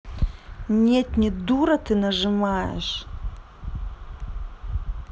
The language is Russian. нет не дура ты нажимаешь